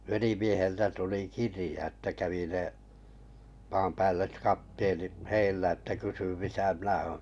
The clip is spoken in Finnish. velimieheltä tuli kirja että kävi ne maanpäälliset kapteenit heillä että kysyi missä minä olen